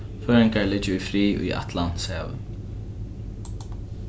føroyingar liggja í frið í atlantshavi